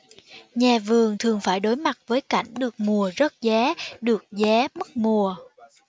nhà vườn thường phải đối mặt với cảnh được mùa rớt giá được giá mất mùa